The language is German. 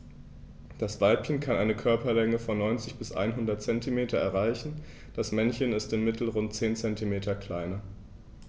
Das Weibchen kann eine Körperlänge von 90-100 cm erreichen; das Männchen ist im Mittel rund 10 cm kleiner.